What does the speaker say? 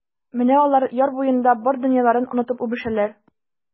Менә алар яр буенда бар дөньяларын онытып үбешәләр.